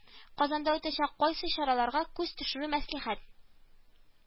Казанда үтәчәк кайсы чараларга күз төшерү мәслихәт